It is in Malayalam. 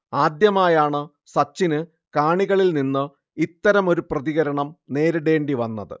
ആദ്യമായാണ് സച്ചിന് കാണികളിൽ നിന്ന് ഇത്തരമൊരു പ്രതികരണം നേരിടേണ്ടിവന്നത്